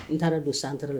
N taara don santoro la